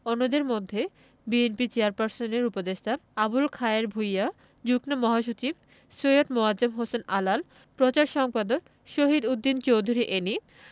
অন্যদের মধ্যে বিএনপি চেয়ারপারসনের উপদেষ্টা আবুল খায়ের ভূইয়া যুগ্ম মহাসচিব সৈয়দ মোয়াজ্জেম হোসেন আলাল প্রচার সম্পাদক শহীদ উদ্দিন চৌধুরী এ্যানি